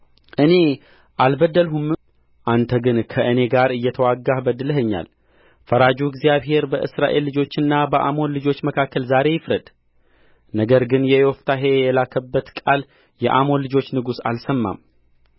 እኔ አልበደልሁህም አንተ ግን ከእኔ ጋር እየተዋጋህ በድለኸኛል ፈራጁ እግዚአብሔር በእስራኤል ልጆችና በአሞን ልጆች መካከል ዛሬ ይፍረድ ነገር ግን ዮፍታሔ የላከበትን ቃል የአሞን ልጆች ንጉሥ አልሰማም